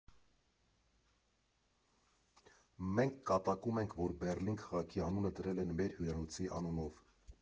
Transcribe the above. Մենք կատակում ենք, որ Բեռլին քաղաքի անունը դրել են մեր հյուրանոցի անունով։